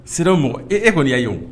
Siraw mɔgɔ e, e kɔni y'a yen o!